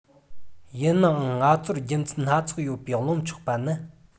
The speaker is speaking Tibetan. ཡིན ནའང ང ཚོར རྒྱུ མཚན སྣ ཚོགས ཡོད པས རློམ ཆོག པ ནི